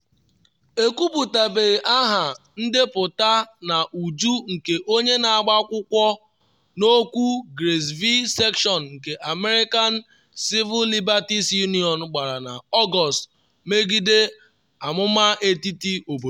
Ekwuputabeghị aha ndepụta n’uju nke onye na-agba akwụkwọ n’okwu Grace v. Sessions nke American Civil Liberties Union gbara na Ọgọst megide amụma etiti obodo.